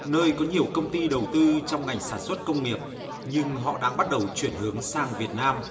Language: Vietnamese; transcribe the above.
nơi có nhiều công ty đầu tư trong ngành sản xuất công nghiệp nhưng họ đang bắt đầu chuyển hướng sang việt nam